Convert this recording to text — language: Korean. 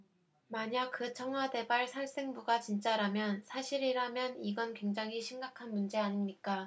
만약 그 청와대발 살생부가 진짜라면 사실이라면 이건 굉장히 심각한 문제 아닙니까